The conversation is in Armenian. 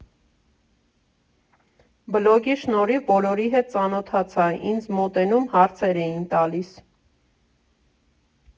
Բլոգի շնորհիվ բոլորի հետ ծանոթացա, ինձ մոտենում, հարցեր էին տալիս։